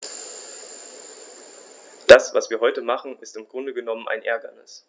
Das, was wir heute machen, ist im Grunde genommen ein Ärgernis.